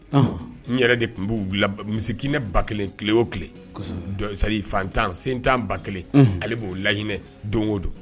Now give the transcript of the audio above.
N yɛrɛ de tun b'u misikinɛ ba kelen tile o tile fantan sentan ba kelen ale b'o layiinɛ don o don